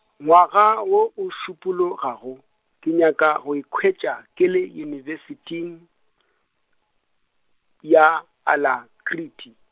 ngwaga wo o šupologago, ke nyaka go ikhwetša, ke le University ya, Alacrity.